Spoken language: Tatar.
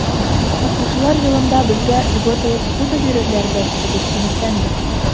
Укытучылар елында безгә льготалы ссуда бирерләр, бәлки, дип өметләндек.